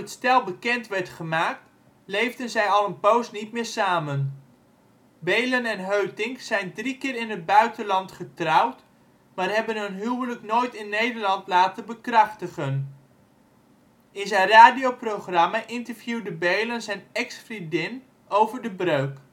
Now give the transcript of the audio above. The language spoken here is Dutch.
stel bekend werd gemaakt, leefden zij al een poos niet meer samen. Beelen en Heutink zijn drie keer in het buitenland getrouwd maar hebben hun huwelijk nooit in Nederland laten bekrachtigen. In zijn radioprogramma interviewde Beelen zijn ex-vriendin over de breuk